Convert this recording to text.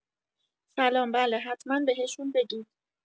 سلام بله حتما بهشون بگید